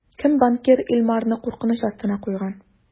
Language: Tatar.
Кем банкир Илмарны куркыныч астына куйган?